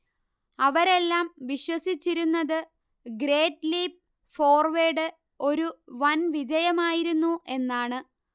അവരെല്ലാം വിശ്വസിച്ചിരുന്നത് great leap forward ഒരു വൻ വിജയമായിരുന്നു എന്നാണ്